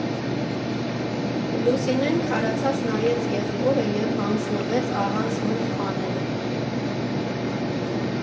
Լուսինեն քարացած նայեց եղբորը և հանձնվեց առանց մուխ անելու.